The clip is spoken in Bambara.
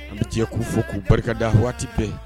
An bi jɛ k'u fo k'u barikada waati bɛɛ